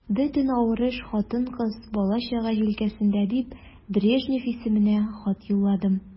Бөтен авыр эш хатын-кыз, бала-чага җилкәсендә дип, Брежнев исеменә хат юлладым.